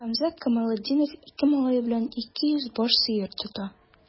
Хәмзә Камалетдинов ике малае белән 200 баш сыер тота.